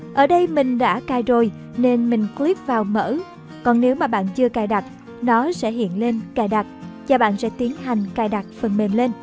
ở đây mình đã cài rồi nên mình click vào mở còn nếu mà bạn chưa cài đặt nó sẽ hiện lên cài đặt và bạn sẽ tiến hành cài đặt phần mềm lên